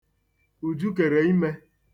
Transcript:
Uju kere ime.